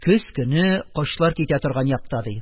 Көз көне кошлар китә торган якта, ди